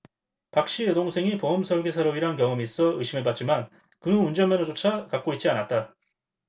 박씨 여동생이 보험설계사로 일한 경험이 있어 의심해 봤지만 그는 운전면허조차 갖고 있지 않았다